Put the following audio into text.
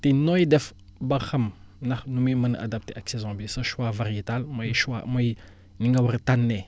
te nooy def ba xam ndax nu muy mën a adpté ak saison bi sa choix variétal mooy choix mooy ni nga war a tànnee